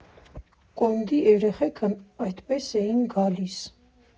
Կոնդի երեխեքն այնտեղ էին գալիս։